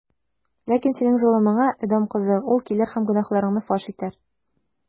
Ләкин синең золымыңа, Эдом кызы, ул килер һәм гөнаһларыңны фаш итәр.